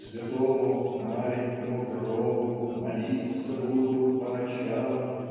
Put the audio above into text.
Святому маленькому гробу Молиться буду по ночам.